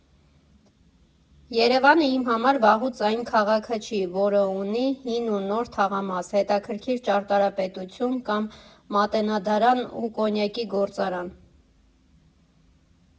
Երևանը իմ համար վաղուց այն քաղաքը չի, որը ունի հին ու նոր թաղամաս, հետաքրքիր ճարտարապետություն կամ Մատենադարան ու Կոնյակի գործարան։